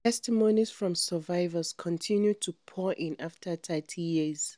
Testimonies from survivors continue to pour in after 30 years.